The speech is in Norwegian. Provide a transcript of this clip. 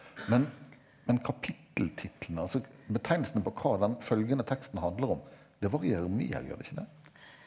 men men kapitteltitlene altså betegnelsene på hva den følgende teksten handler om det varierer mye, gjør det ikke det?